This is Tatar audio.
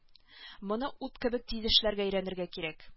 Моны ут кебек тиз эшләргә өйрәнергә кирәк